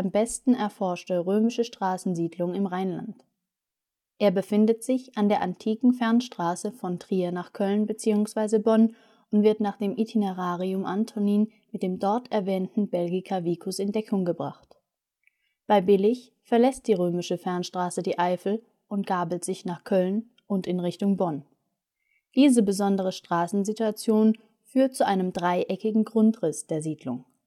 besten erforschte römische Straßensiedlung im Rheinland. Er befindet sich an der antiken Fernstraße von Trier nach Köln bzw. Bonn und wird nach dem Itinerarium Antonini mit dem dort erwähnten Belgica vicus in Deckung gebracht. Bei Billig verlässt die römische Fernstraße die Eifel und gabelt sich nach Köln und in Richtung Bonn. Diese besondere Straßensituation führt zu einem dreieckigen Grundriss der Siedlung